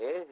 eh he